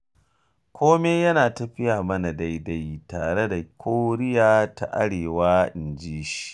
“Kome yana tafiya mana daidai tare da Koriya ta Arewa,” inji shi.